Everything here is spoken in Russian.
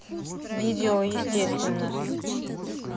видео естественно